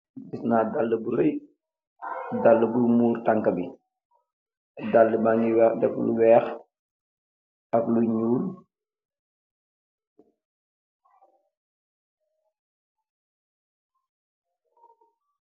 dalax bu raii dalax bu murr tankaax bi dala bakeeh em lu weex ak lu nyull.